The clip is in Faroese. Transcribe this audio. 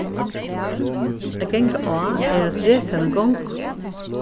at ganga á er at reka eina gongu